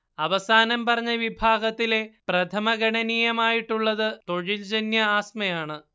അവസാനം പറഞ്ഞ വിഭാഗത്തിലെ പ്രഥമഗണനീയമായിട്ടുള്ളത് തൊഴിൽജന്യ ആസ്മയാണ്